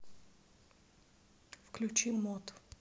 включи мот